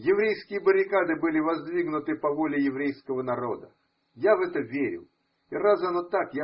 Еврейские баррикады были воздвигнуты по воле еврейского народа. Я в это верю, и раз оно так.